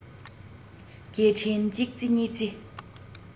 སྐད འཕྲིན གཅིག རྩེ གཉིས རྩེ